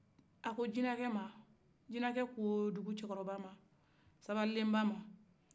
jinɛkɛ ko dugucɛkɔrɔba sabalilenba ma